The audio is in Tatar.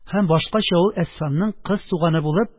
Һәм башкача ул әсфанның «кыз туганы» булып